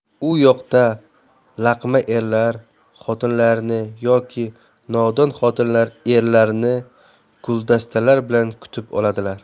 u yoqda laqma erlar xotinlarini yoki nodon xotinlar erlarini guldastalar bilan kutib oladilar